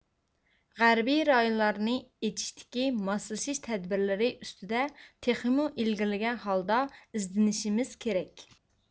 غەربىي رايونلارنى ئېچىشتىكى ماسلىشىش تەدبىرلىرى ئۈستىدە تېخىمۇ ئىلگىرلىگەن ھالدا ئىزدىنىشىمىز كىرەك